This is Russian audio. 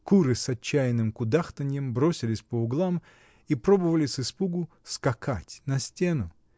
Куры с отчаянным кудахтаньем бросились по углам и пробовали с испугу скакать на стену.